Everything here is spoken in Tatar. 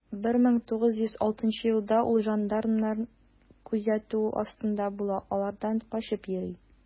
1906 елда ул жандармнар күзәтүе астында була, алардан качып йөри.